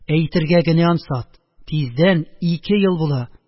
Әйтергә генә ансат, тиздән ике ел була.